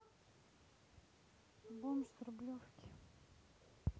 бомж с рублевки